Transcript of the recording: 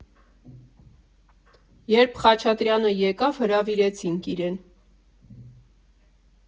Երբ Խաչատրյանը եկավ, հրավիրեցինք իրեն։